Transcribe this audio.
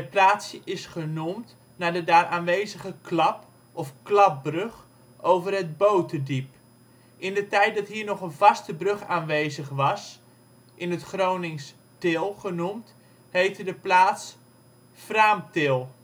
plaatsje is genoemd naar de daar aanwezige klap (= klapbrug) over het Boterdiep. In de tijd dat hier nog een vaste brug aanwezig was (in het Gronings: " til ") genoemd, heette de plaats Fraamtil